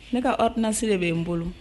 Ne ka hatsi de bɛ n bolo